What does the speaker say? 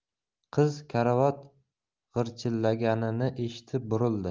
qiz karavot g'irchillaganini eshitib burildi